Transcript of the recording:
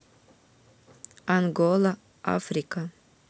ангола африка